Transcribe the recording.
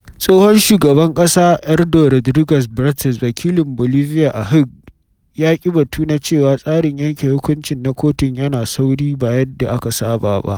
Tsohon shugaban ƙasa Eduardo Rodríguez Veltzé, wakilin Bolivia a Hague, ya ki batu na cewa tsarin yanke hukuncin na kotun yana sauri ba yadda aka saba ba.